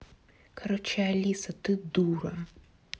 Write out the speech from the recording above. короче алиса ты дура